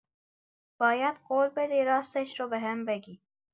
باید قول بدی راستش رو بهم بگی.